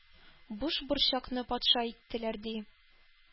— бушборчакны патша иттеләр, ди.